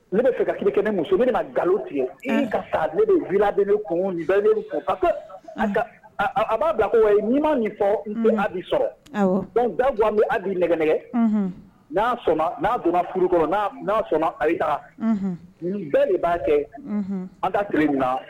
Ne bɛ fɛ ka kɛ ne muso bɛna na nkalonlo tigɛ ka ne bɛ g deli kun bɛɛ ko ka ko a b'a bila ko ni ma min fɔ n bɛ a bi sɔrɔ dɔnku da an bɛ a bi nɛgɛ nɛgɛgɛn n'a n'a donna furuk n'a a bɛɛ de b'a kɛ a ka tile min